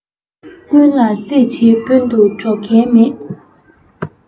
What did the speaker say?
ཀུན ལ རྩིས མེད སྤུན དུ འགྲོག མཁན མེད